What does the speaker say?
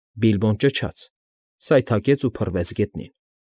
Բիլբոն ճչաց, սայթաքեց ու փռվեց գետնին։